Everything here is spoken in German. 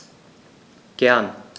Gern.